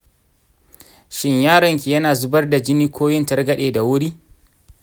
shin yaronki yana zubar da jini ko yin targade da wuri?